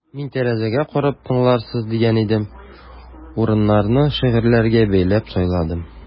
Мин тәрәзәгә карап тыңларсыз дигән идем: урыннарны шигырьләргә бәйләп сайладым.